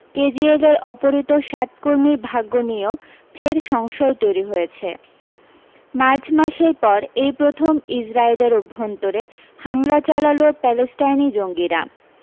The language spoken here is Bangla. কেজিএলের অপহৃত সাত কর্মীর ভাগ্য নিয়েও ফের সংশয় তৈরী হয়েছে মার্চ মাসের পর এই প্রথম ইজরায়েলের অভ্যন্তরে হামলা চালাল প্যালেস্তাইনি জঙ্গিরা